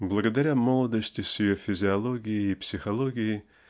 Благодаря молодости с ее физиологией и психологией